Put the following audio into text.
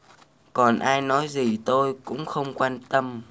còn ai nói gì tôi cũng không quan tâm